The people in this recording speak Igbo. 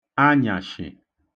anyàshị̀